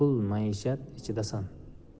pul maishat ichidasan